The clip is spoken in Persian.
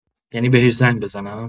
یعنی بهش زنگ بزنم؟